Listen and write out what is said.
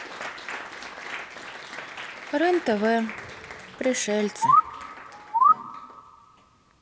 рен тв пришельцы